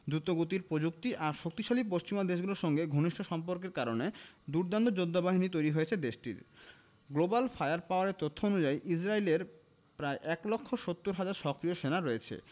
দ্রুতগতির প্রযুক্তি আর শক্তিশালী পশ্চিমা দেশগুলোর সঙ্গে ঘনিষ্ঠ সম্পর্কের কারণে দুর্দান্ত যোদ্ধাবাহিনী তৈরি হয়েছে দেশটির গ্লোবাল ফায়ার পাওয়ারের তথ্য অনুযায়ী ইসরায়েলের প্রায় ১ লাখ ৭০ হাজার সক্রিয় সেনা রয়েছে